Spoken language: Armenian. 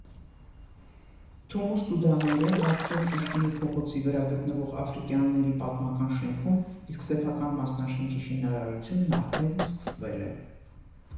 Թումու Ստուդաները բացվեց Պուշկինի փողոցի վրա գտնվող Աֆրիկյանների պատմական շենքում, իսկ սեփական մասնաշենքի շինարարությունն արդեն սկսվել է։